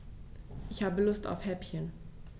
Ich habe Lust auf Häppchen.